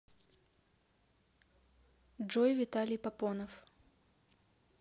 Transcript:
джой виталий папонов